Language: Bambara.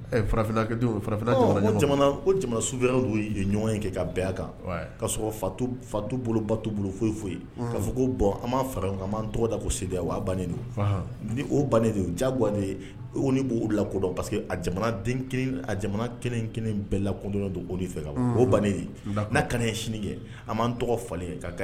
Ka sɔrɔtutu foyi foyi ka fɔ ko bɔn an b' kaan tɔgɔ da ko bannen don ni bannen de diyawa la kodɔn parce que jamana jamana kelen kelen bɛɛ lakdɔn don o fɛ bannen n'a ka sini kɛ a b'an tɔgɔ falen